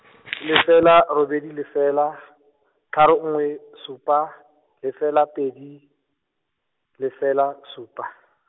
lefela robedi lefela, tharo nngwe, supa, lefela pedi, lefela, supa.